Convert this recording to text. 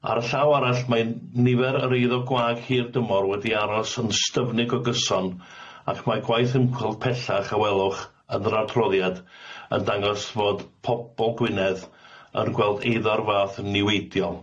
Ar y llaw arall mae nifer yr eiddo gwag hir dymor wedi aros yn styfnig o gyson ac mae gwaith ymchwil pellach a welwch yn yr adroddiad yn dangos fod pobol Gwynedd yn gweld eiddo o'r fath yn niweidiol.